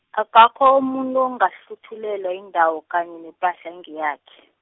akakho umuntu ongahluthulelwa indawo kanye nepahla engeyakhe.